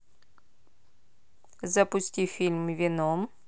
запусти фильм веном